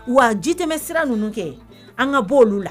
Wa ji tɛ bɛ sira ninnu kɛ an ka bɔ olu la